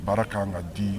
Baara ka kan ka di